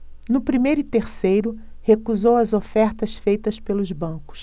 no primeiro e terceiro recusou as ofertas feitas pelos bancos